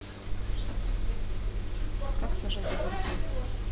как сажать огурцы